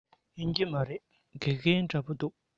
ཡིན གྱི མ རེད དགེ རྒན འདྲ པོ འདུག